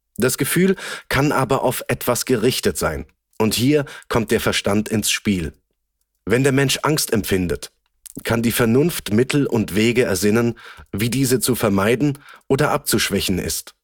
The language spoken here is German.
Das Gefühl kann aber auf etwas gerichtet sein und hier kommt der Verstand ins Spiel: Wenn der Mensch Angst empfindet, kann die Vernunft Mittel und Wege ersinnen, wie diese zu vermeiden oder abzuschwächen ist